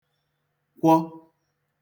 kwọ